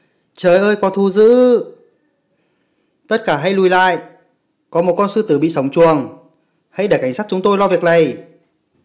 tròi ơi có thú dữ tất cả hãy lùi lại có một con sư tử bị sổng chuồng hãy để cảnh sát chúng tôi lo việc này